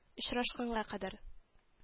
Очрашканга кадәр